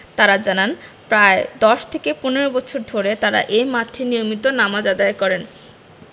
তাঁরা জানান প্রায় ১০ থেকে ১৫ বছর ধরে তাঁরা এ মাঠে নিয়মিত নামাজ আদায় করেন